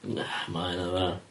Na mae hynna'n dda.